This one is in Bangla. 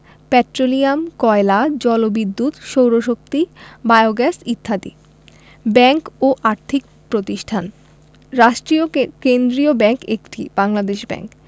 পেট্রোলিয়াম কয়লা জলবিদ্যুৎ সৌরশক্তি বায়োগ্যাস ইত্যাদি ব্যাংক ও আর্থিক প্রতিষ্ঠানঃ রাষ্ট্রীয় কেন্দ্রীয় ব্যাংক ১টি বাংলাদেশ ব্যাংক